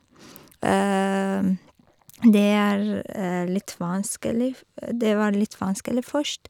det er litt vanskelig f Det var litt vanskelig først.